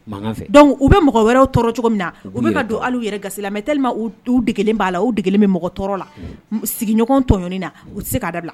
Mankan fɛ, donc u bɛ mɔgɔ wɛrɛw tɔɔrɔ cogo min na, u bɛ don hali u yɛrɛ gasi la mais tellement u degelen b'a la , u degelen bɛ mɔgɔ tɔɔrɔ la , sigiɲɔgɔn tɔɲɔni na , u tɛ se k'a da bila.